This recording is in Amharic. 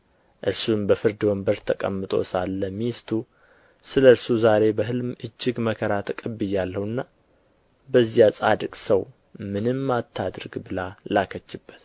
እርሱም በፍርድ ወንበር ተቀምጦ ሳለ ሚስቱ ስለ እርሱ ዛሬ በሕልም እጅግ መከራ ተቀብያለሁና በዚያ ጻድቅ ሰው ምንም አታድርግ ብላ ላከችበት